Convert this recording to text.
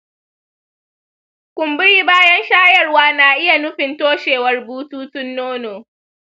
ƙumburi bayan shayarwa na iya nufin toshewar bututun nono.